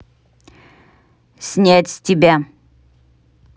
снять с тебя